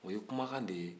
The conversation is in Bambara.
o ye kumakan de ye